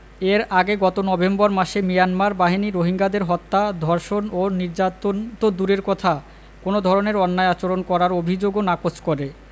এর আগে গত নভেম্বর মাসে মিয়ানমার বাহিনী রোহিঙ্গাদের হত্যা ধর্ষণ নির্যাতন তো দূরের কথা কোনো ধরনের অন্যায় আচরণ করার অভিযোগও নাকচ করে